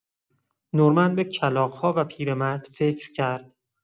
نورمن به کلاغ‌ها و پیرمرد فکر کرد.